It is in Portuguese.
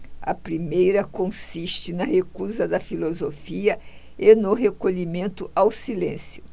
a primeira consiste na recusa da filosofia e no recolhimento ao silêncio